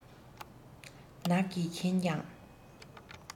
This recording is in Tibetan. ན གྱིས མཁྱེན ཀྱང